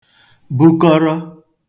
bukọrọ